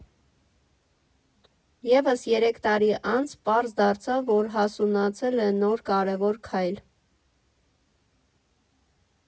Եվս երեք տարի անց պարզ դարձավ, որ հասունացել է նոր կարևոր քայլ։